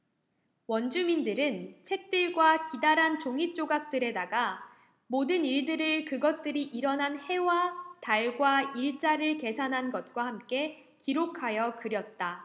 원주민들은 책들과 기다란 종잇조각들에다가 모든 일들을 그것들이 일어난 해와 달과 일자를 계산한 것과 함께 기록하여 그렸다